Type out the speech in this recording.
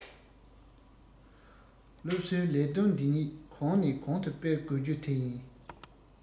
སློབ གསོའི ལས དོན འདི ཉིད གོང ནས གོང དུ སྤེལ དགོས རྒྱུ དེ ཡིན